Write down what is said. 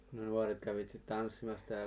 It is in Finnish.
nuoret kävivät sitten tanssimassa täällä